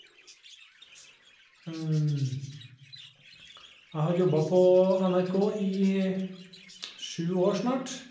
Jeg har jobba på NRK i sju år snart.